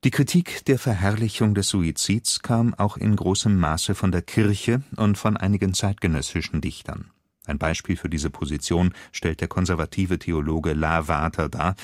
Kritik der Verherrlichung des Suizids kam auch in großem Maße von der Kirche und von einigen zeitgenössischen Dichtern. Ein Beispiel für diese Position stellt der konservative Theologe Lavater dar